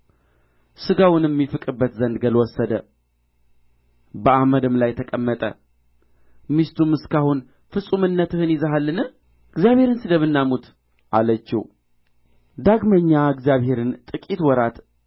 ሥጋውንም ይፍቅበት ዘንድ ገል ወሰደ በአመድም ላይ ተቀመጠ ሚስቱም እስከ አሁን ፍጹምነትህን ይዘሃልን እግዚአብሔርን ስደብና ሙት አለችው